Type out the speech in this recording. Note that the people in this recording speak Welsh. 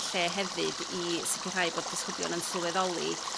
lle hefyd i sicrhau bod disgyblion yn sylweddoli